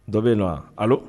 Dɔ bɛ yen nɔ wa ala